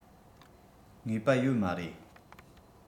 ངེས པ ཡོད མ རེད